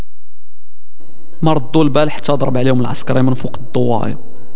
مرض البلح صدر العلوم العسكريه من فوق الطواري